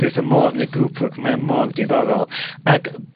dwi wrth 'ym modd neud group work mae o mor diddorol. Ag